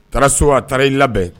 Kɛra so a taara i labɛn